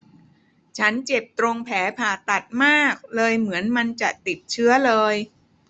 ฉันเจ็บตรงแผลผ่าตัดมากเลยเหมือนมันจะติดเชื้อเลย